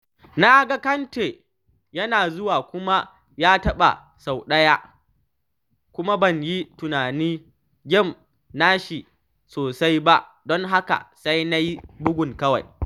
“Na ga Kante yana zuwa kuma ya taɓa sau ɗaya kuma ban yi tunani game da shi sosai ba don haka sai na yi bugun kawai.”